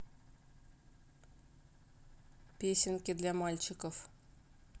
песенки для мальчиков